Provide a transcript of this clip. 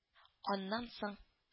Аннан соң